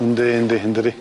Yndi yndi yndydi.